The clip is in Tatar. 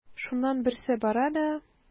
Шуннан берсе бара да:.